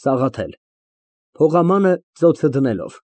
ՍԱՂԱԹԵԼ ֊ (Փողամանը ծոցը դնելով)